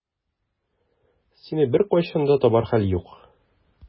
Сине беркайчан да табар хәл юк.